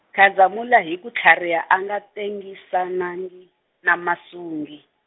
Khazamula hi ku tlhariha a nga tengisanangi, na Masungi.